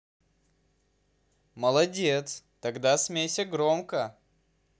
молодец тогда смейся громко